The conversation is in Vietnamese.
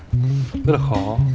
rất là khó